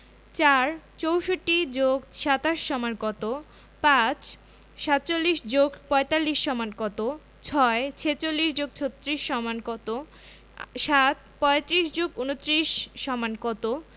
৪ ৬৪ + ২৭ = কত ৫ ৪৭ + ৪৫ = কত ৬ ৪৬ + ৩৬ = কত ৭ ৩৫ + ২৯ = কত